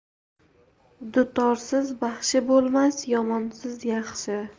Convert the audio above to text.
dutorsiz baxshi bo'lmas yomonsiz yaxshi